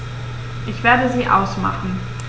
Ich werde sie ausmachen.